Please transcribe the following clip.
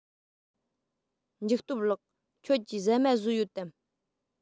འཇིགས སྟོབས ལགས ཁྱོད ཀྱིས ཟ མ ཟོས ཡོད དམ